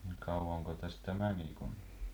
no kauanko tästä meni kun